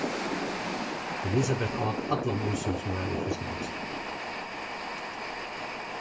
elisabet át allan ísin sum var í frystiboksini